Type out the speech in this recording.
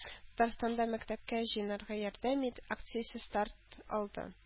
Татарстанда “Мәктәпкә җыенырга ярдәм ит!” акциясе старт алды